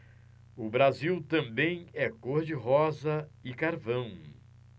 o brasil também é cor de rosa e carvão